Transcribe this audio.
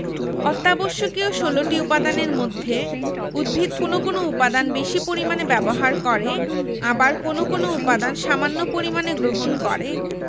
অত্যাবশ্যকীয় ১৬ টি উপাদানের মধ্যে উদ্ভিদ কোনো কোনো উপাদান বেশি পরিমাণে ব্যাবহার করে আবার কোনো কোনো উপাদান সামান্য পরিমাণে গ্রহণ করে